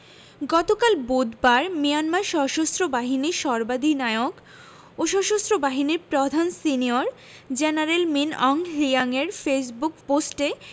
গতকাল বুধবার মিয়ানমার সশস্ত্র বাহিনীর সর্বাধিনায়ক ও সশস্ত্র বাহিনীর প্রধান সিনিয়র জেনারেল মিন অং হ্লিয়াংয়ের ফেসবুক পোস্টে